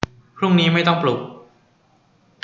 พรุ่งนี้ไม่ต้องปลุก